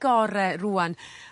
gore rŵan